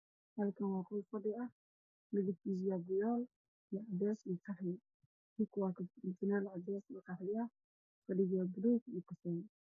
Waa qol aada u qurux badan waxaa yaalo fadhi buluug ah iyo kuraas qaxwi ah la yar cadaan ayaa kor ka daaran darbiyada waa buluug iyo cadaan